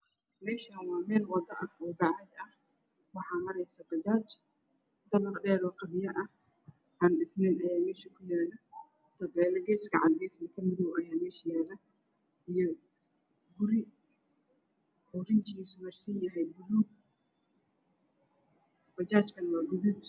Meshani waa mel wado ah oo bacaad ah waxaa maseysa bajaj dabaq djeer oo qabyo ah an dhisneen ayaa mesha ku yala tabeele ges ka cad gesna ka madow ayaa mesha yala guri rinjigiisu yahay buluug iyo bajaaj gaduuda